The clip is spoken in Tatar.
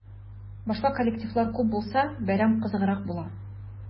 Башка коллективлар күп булса, бәйрәм кызыграк була.